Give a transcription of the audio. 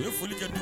Ne foli ka